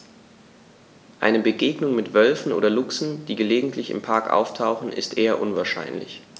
Eine Begegnung mit Wölfen oder Luchsen, die gelegentlich im Park auftauchen, ist eher unwahrscheinlich.